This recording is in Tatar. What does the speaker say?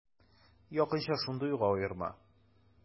Якынча шундый ук аерма.